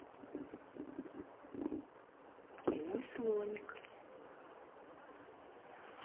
ты мой слоник